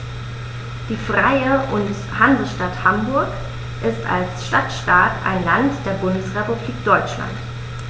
Die Freie und Hansestadt Hamburg ist als Stadtstaat ein Land der Bundesrepublik Deutschland.